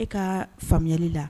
E kaa faamuyali la